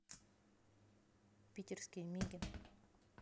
питерские миги